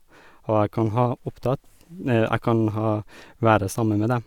Og jeg kan ha opptatt jeg kan ha være sammen med dem.